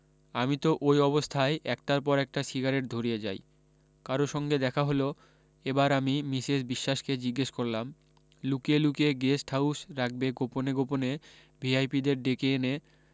আমি তো ওই অবস্থায় একটার পর একটা সিগারেট ধরিয়ে যাই কারও সঙ্গে দেখা হলো এবার আমি মিসেস বিশ্বাসকে জিজ্ঞেস করলাম লুকিয়ে লুকিয়ে গেষ্ট হাউস রাখবে গোপনে গোপনে ভি আই পিদের ডেকে এনে